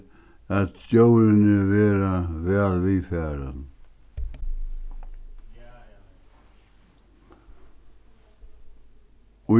at djórini verða væl viðfarin